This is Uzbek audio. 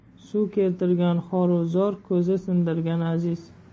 suv keltirgan xor u zor ko'za sindirgan aziz